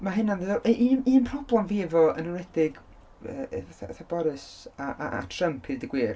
Ma' hynna'n ddiddo... u- un un problem fi efo... yn enwedig e- fatha efo Boris a, a , a Trump, i ddeud y gwir...